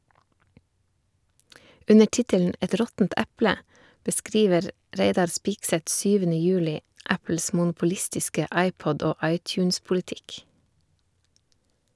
Under tittelen "Et råttent eple" beskriver Reidar Spigseth 7. juli Apples monopolistiske iPod- og iTunes-politikk.